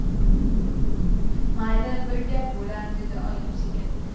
mayli bir gap bo'lar dedi oyim sekin